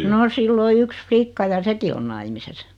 no sillä on yksi likka ja sekin on naimisissa